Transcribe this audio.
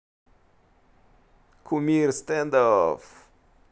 кумир standoff